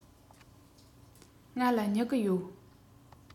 ང ལ སྨྱུ གུ ཡོད